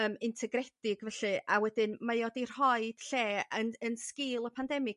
yym integredig felly a wedyn mae o 'di rhoid lle yn yn sgil y pandemig